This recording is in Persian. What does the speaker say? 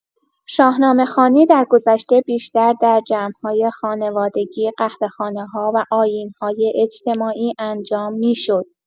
شاهنامه‌خوانی درگذشته بیشتر در جمع‌های خانوادگی، قهوه‌خانه‌ها و آیین‌های اجتماعی انجام می‌شد.